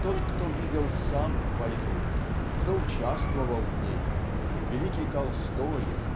Тот, кто видел сам войну, кто участвовал в ней. великий Толстой